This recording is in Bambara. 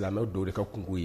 Silamɛw dɔw de ka kungo ye